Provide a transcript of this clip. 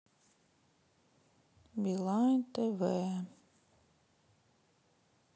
билайн тв